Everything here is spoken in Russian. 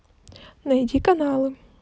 найди каналы